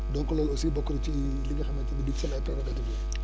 donc loolu aussi bokk na ci li nga xamante ni bii ci la ***